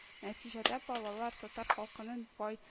Нәтиҗәдә балалар татар халкының бай